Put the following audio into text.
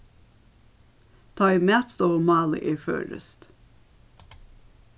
tá ið matstovumálið er føroyskt